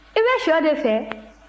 i bɛ shɔ de fɛ